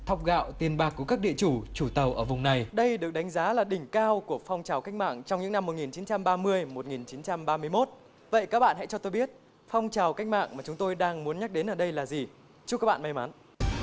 thóc gạo tiền bạc của các địa chủ chủ tàu ở vùng này đây được đánh giá là đỉnh cao của phong trào cách mạng trong những năm một nghìn chín trăm ba mươi một nghìn chín trăm ba mươi mốt vậy các bạn hãy cho tôi biết phong trào cách mạng mà chúng tôi đang muốn nhắc đến ở đây là gì chúc các bạn may mắn